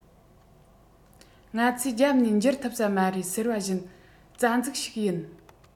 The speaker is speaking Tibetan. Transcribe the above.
ང ཚོས རྒྱབ ནས འགྱུར ཐུབ ས མ རེད ཟེར བ ཞིག རྩ འཛུགས ཤིག ཡིན